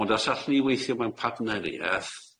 Ond os allwn ni weithio mewn partnerieth